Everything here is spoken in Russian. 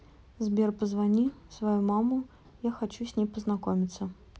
сбер позови свою маму я хочу с ней познакомиться